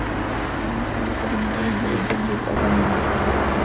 Ә теркәлмичә яшәгәннәрен «баубил» дип атаганнар.